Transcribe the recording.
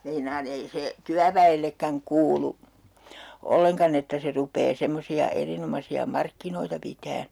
meinaan ei se työväellekään kuulu ollenkaan että se rupeaa semmoisia erinomaisia markkinoita pitämään